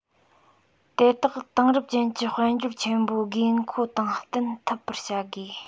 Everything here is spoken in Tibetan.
དེ དག དེང རབས ཅན གྱི དཔལ འབྱོར ཆེན པོའི དགོས མཁོ དང མཐུན ཐུབ པར བྱ དགོས